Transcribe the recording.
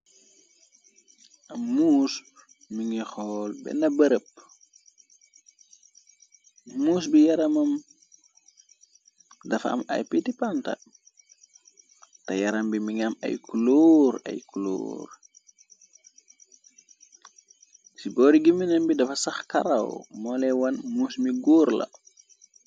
Am muus mi ngi xool benn bërëb, muus bi yaramam dafa am ay piti panta, te yaram bi mi ngiam ay kuloor ay kuloor, ci boori gi minam bi dafa sax karaw, moole wan muus mi góur la.